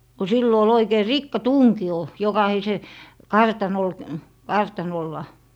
kun silloin oli oikein rikkatunkio jokaisen kartanolla kartanolla